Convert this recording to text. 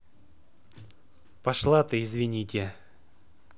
пошла ты извините